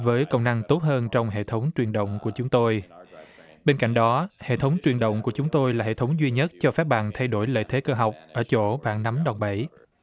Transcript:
với công năng tốt hơn trong hệ thống truyền động của chúng tôi bên cạnh đó hệ thống truyền động của chúng tôi là hệ thống duy nhất cho phép bạn thay đổi lợi thế cơ học ở chỗ bạn nắm đòn bẩy